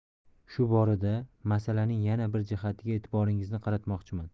shu borada masalaning yana bir jihatiga e'tiboringizni qaratmoqchiman